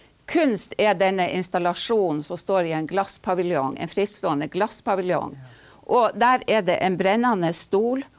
kunst er denne installasjonen som står i en glasspaviljong, en frittstående glasspaviljong, og der er det en brennende stol.